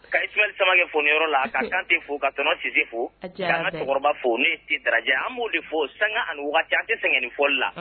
Ka Isimayɛli Samake fo niyɔrɔ la, ka Kante fo, ka tonton Sise fo; A diyara an bɛɛ ye; ka an ka cɛkɔrɔba fo n'o ye Sise Darajɛ ye. An b'o de fo sanga a ni waati, an tɛ sɛgɛ nin fɔli la.